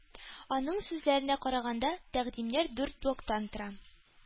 Аның сүзләренә караганда, тәкъдимнәр дүрт блоктан тора.